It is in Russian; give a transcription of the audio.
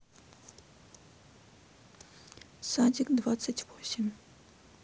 садик двадцать восемь